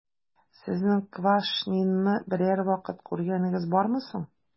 Сезнең Квашнинны берәр вакыт күргәнегез бармы соң?